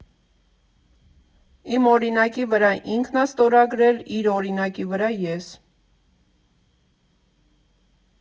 Իմ օրինակի վրա ինքն ա ստորագրել, իր օրինակի վրա՝ ես։